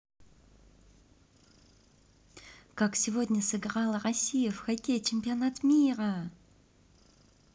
как сегодня сыграла россия в хоккей чемпионат мира